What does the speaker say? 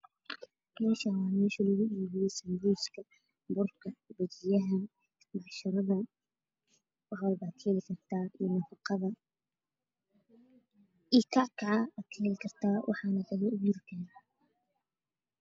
Meeshaan waa meesha lagu iibiyo sambuuska, burka, bajiyaha, macsarada, waxwalba ayaa ka heli kartaa iyo nafaqada iyo kac-kaca ka heli kartaa waxaa kale ka heli kartaa